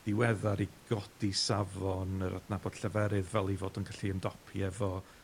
ddiweddar i godi safon yr adnabod lleferydd fel 'i fod yn gallu ymdopi efo